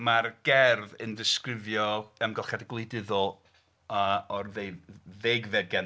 Mae'r gerdd yn disgrifio amgylchedd gwleidyddol o'r ddeuddegfed ganrif.